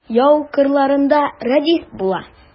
Яу кырларында радист була.